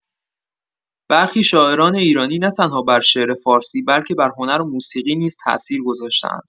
برخی شاعران ایرانی نه‌تنها بر شعر فارسی بلکه بر هنر و موسیقی نیز تاثیر گذاشته‌اند.